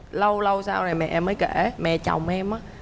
lâu lâu sau này mẹ mới kể mẹ chồng em á